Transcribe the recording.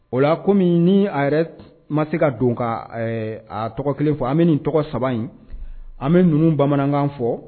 O la kɔmi ni a yɛrɛ ma se ka don ka ee a yɛrɛ tɔgɔ kelen fɔ , an bɛ nin tɔgɔ 3 in, an bɛ ninnu bamanankan fɔ